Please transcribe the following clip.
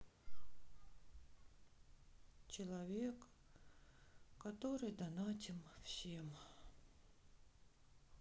человек который донатим всем